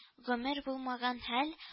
Гомер булмаган хәл